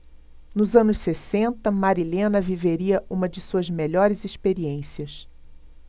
nos anos sessenta marilena viveria uma de suas melhores experiências